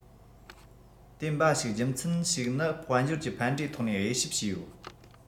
དེ འབའ ཞིག རྒྱུ མཚན ཞིག ནི དཔལ འབྱོར གྱི ཕན འབྲས ཐོག ནས དབྱེ ཞིབ བྱས ཡོད